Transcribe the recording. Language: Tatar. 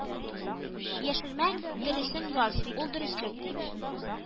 Яшермә, дөресен яз, ул дөреслек